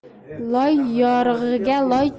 loy yorig'iga loy